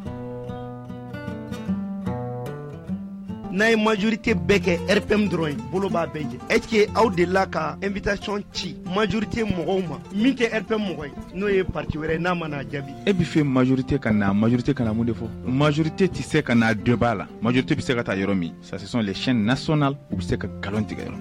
N'a ye majori tɛ bɛɛ kɛ p dɔrɔn boloa bɛɛ jɛ e aw de la ka e bɛ taa ci majri tɛ mɔgɔw ma min tɛ p n'o ye pa wɛrɛ ye n'a mana jaabi e bɛ fɛ majrite ka majurute ka mun de fɔ majrite tɛ se ka dɔ b'a la maj te bɛ se ka taa yɔrɔ min sasic na sɔn u bɛ se ka nkalon tigɛyɔrɔ